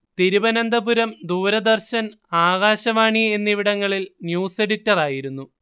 തിരുവനന്തപുരം ദൂരദർശൻ ആകാശവാണി എന്നിവിടങ്ങളിൽ news editor ആയിരുന്നു